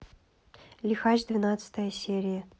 лихач двенадцатая серия